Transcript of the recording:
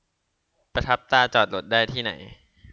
ประทับตราจอดรถได้ที่ไหน